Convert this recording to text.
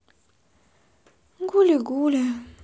гули гули